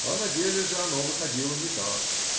А на деле же оно выходило не так